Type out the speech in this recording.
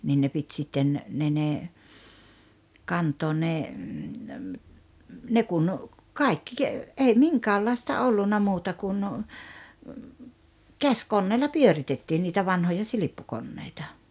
niin ne piti sitten ne ne kantaa ne ne kun kaikki ei minkäänlaista ollut muuta kuin käsikoneella pyöritettiin niitä vanhoja silppukoneita